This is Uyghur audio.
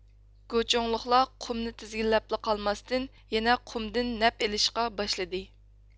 گۇچۇڭلۇقلار قۇمنى تىزگىنلەپلا قالماستىن يەنە قۇمدىن نەپ ئېلىشقا باشلىدى